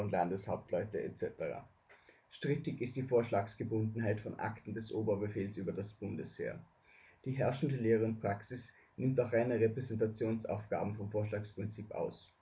Landeshauptleute etc strittig ist die Vorschlagsgebundenheit von Akten des Oberbefehls über das Bundesheer die herrschende Lehre und Praxis nimmt auch reine Repräsentationsaufgaben vom Vorschlagsprinzip aus